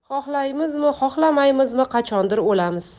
xohlaymizmi xohlamaymizmi qachondir o'lamiz